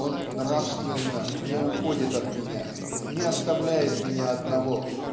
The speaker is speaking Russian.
он нравственно не уходит от меня, не оставляет меня одного.